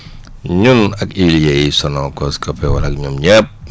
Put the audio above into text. ñun ak huiliers yi Sonacos COPEGA ak ñoom ñëpp